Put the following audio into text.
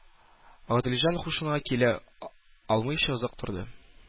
Гаделҗан һушына килә алмыйча озак торды